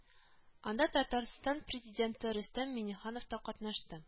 Анда Татарстан Президенты Рөстәм Миңнеханов та катнашты